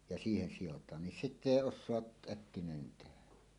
ja siihen sidotaan niin sitten ei osaa äkkinäinen tehdä